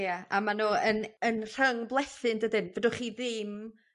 Ia a ma' nw yn yn rhyngblethu yndydyn? Fed'wch chi ddim